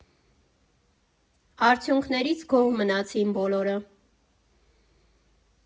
Արդյունքներից գոհ մնացին բոլորը։